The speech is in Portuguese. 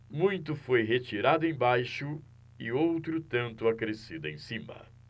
muito foi retirado embaixo e outro tanto acrescido em cima